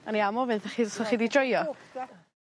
O'n i am ofyn 'tho chi os o'ch chi 'di joio.